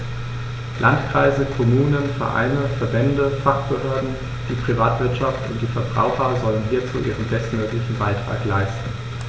Landkreise, Kommunen, Vereine, Verbände, Fachbehörden, die Privatwirtschaft und die Verbraucher sollen hierzu ihren bestmöglichen Beitrag leisten.